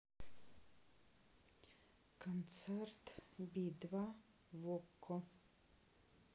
концерт би два в окко